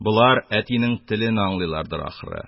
Болар әтинең телен аңлыйлардыр ахры.